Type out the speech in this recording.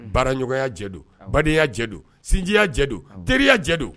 Baraɲɔgɔnya jɛ don baya jɛ don sinjiya jɛ don teriya jɛ don